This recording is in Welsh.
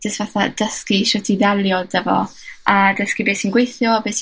jys fatha dysgu shwt i ddelio 'da fo. A dysgu be' sy'n gweithio a be' sy